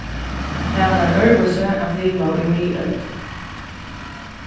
tað var øðrvísi at liva í miðøld